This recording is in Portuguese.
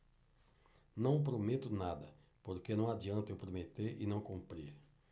não prometo nada porque não adianta eu prometer e não cumprir